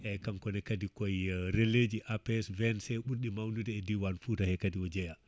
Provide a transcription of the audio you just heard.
eyyi kankone kadi koye relais ji APS VNC ɓuurɗi mawnude e diwan Fouta he kadi o jeeya